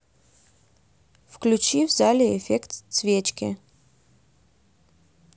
включи в зале эффект свечки